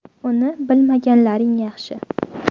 uni bilmaganlaring yaxshi